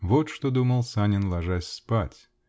Вот что думал Санин, ложась спать